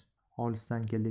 olisdan keldik